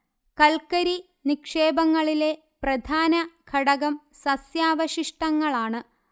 കൽക്കരി നിക്ഷേപങ്ങളിലെ പ്രധാന ഘടകം സസ്യാവശിഷ്ടങ്ങളാണ്